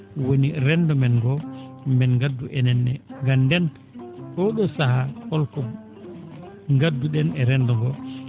woni renndo men ngoo men ngaddu enen ne nganden oo ɗoo sahaa holko ngadduɗen e renndo ngo